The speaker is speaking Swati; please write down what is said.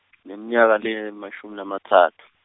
Ngineminyaka lengemashumi lamatsatfu.